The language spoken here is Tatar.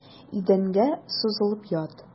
Идәнгә сузылып ят.